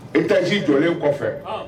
Etage jɔlen kɔfɛ